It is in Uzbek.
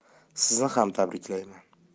sizni ham tabriklayman